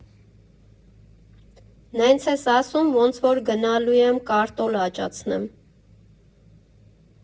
֊ Նենց ես ասում, ոնց որ գնալու եմ կարտոլ աճացնեմ։